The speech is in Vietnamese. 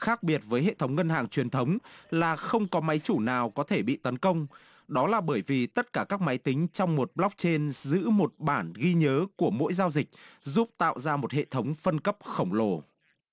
khác biệt với hệ thống ngân hàng truyền thống là không có máy chủ nào có thể bị tấn công đó là bởi vì tất cả các máy tính trong một lóc trên giữ một bản ghi nhớ của mỗi giao dịch giúp tạo ra một hệ thống phân cấp khổng lồ